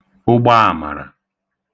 ụgbaàmàrà